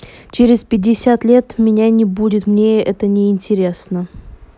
через пятьдесят лет меня не будет мне это не интересно